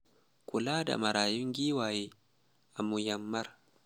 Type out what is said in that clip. Kula da marayun giwaye a Myanmar